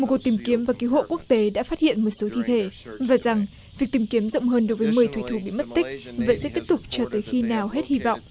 một cuộc tìm kiếm và cứu hộ quốc tế đã phát hiện một số thi thể và rằng việc tìm kiếm rộng hơn đối với mười thủy thủ bị mất tích vẫn sẽ tiếp tục cho tới khi nào hết hy vọng